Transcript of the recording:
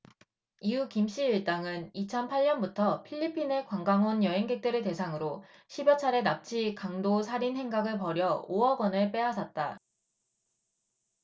이후 김씨 일당은 이천 팔 년부터 필리핀에 관광온 여행객들을 대상으로 십 여 차례 납치 강도 살인 행각을 벌여 오 억원을 빼앗았다